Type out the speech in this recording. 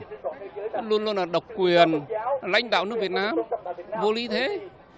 luôn luôn là độc quyền lãnh đạo nước việt nam vô lý thế